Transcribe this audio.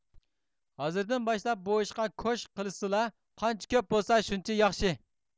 ھازىردىن باشلاپ بۇ ئىشقا كوش قىلىشسىلا قانچە كۆپ بولسا شۇنچە ياخشى